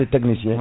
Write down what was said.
technicien